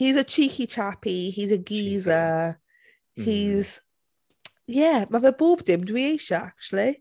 He's a cheeky chappy he's a geezer... cheeky mm ...he's ie, ma' fe bob dim dwi eisiau, acshyli.